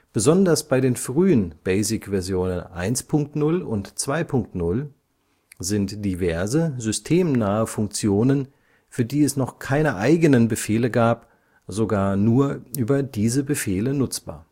Besonders bei den frühen BASIC-Versionen 1.0 und 2.0 sind diverse systemnahe Funktionen, für die es noch keine eigenen Befehle gab, sogar nur über diese Befehle nutzbar